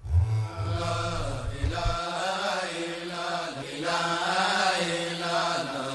Sanunɛlala